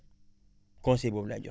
conseil boobu laay joxe